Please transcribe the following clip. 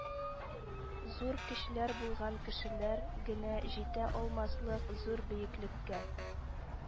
Зур көчләр булган кешеләр генә җитә алмаслык зур биеклеккә